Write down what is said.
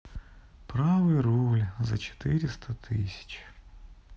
правый руль за четыреста тысяч